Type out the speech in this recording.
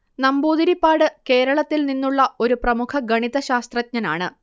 നമ്പൂതിരിപ്പാട്കേരളത്തിൽ നിന്നുള്ള ഒരു പ്രമുഖ ഗണീതശാസ്ത്രജ്ഞനാണ്